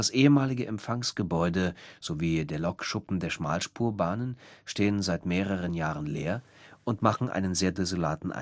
ehemalige Empfangsgebäude sowie der Lokschuppen der Schmalspurbahnen stehen seit mehreren Jahren leer und machen einen sehr desolaten